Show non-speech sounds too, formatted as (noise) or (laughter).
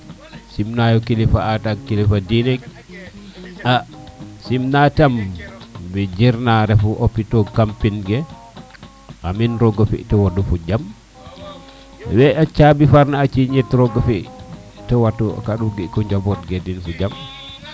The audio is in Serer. (music) sim nayo kilifa ada kilifa dine a simna tam we jirna refa hopitaux kam pin ke amiin roga fiyo de wodo fa jam we caabi farna a ciiƴ`it roga fi te watu (unintelligible) njambot ke den fa jam